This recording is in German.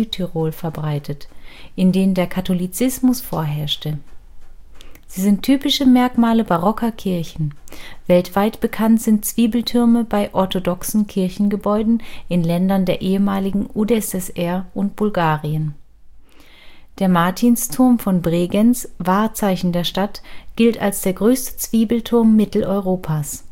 Südtirol verbreitet, in denen der Katholizismus vorherrschte. Sie sind typische Merkmale barocker Kirchen. Weltweit bekannt sind Zwiebeltürme bei orthodoxen Kirchengebäuden in Ländern der ehemaligen UdSSR und Bulgarien. Der Martinsturm von Bregenz, Wahrzeichen der Stadt, gilt als der größte Zwiebelturm Mitteleuropas